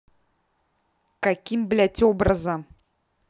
каким блять образом